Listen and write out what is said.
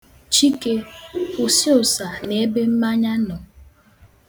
Chike, kwụsi ụsa n'ebe mmanya nọ.